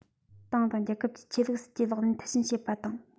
ཏང དང རྒྱལ ཁབ ཀྱི ཆོས ལུགས སྲིད ཇུས ལག ལེན མཐིལ ཕྱིན བྱེད པ དང